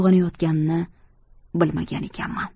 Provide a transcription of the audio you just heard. uyg'onayotganini bilmagan ekanman